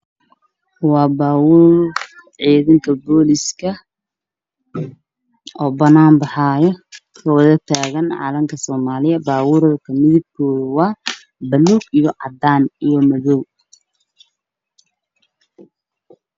Waa baabuurta ciidanka boolisk oo banaan baxaayo oo wada taagan calanka soomaaliya baabuurta midabkoodu waa buluug, cadaan iyo madow.